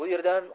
bu yerdan